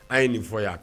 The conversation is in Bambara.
A' ye nin fɔya